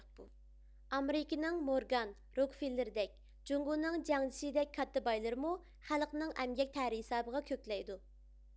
ئامېرىكىنىڭ مورگان روكفېللېردەك جۇڭگونىڭ جياڭجيېشىدەك كاتتا بايلىرىمۇ خەلقنىڭ ئەمگەك تەرى ھېسابىغا كۆكلەيدۇ